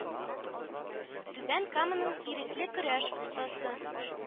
Түбән Каманың ирекле көрәш остасы